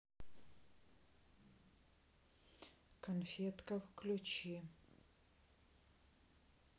конфетка включи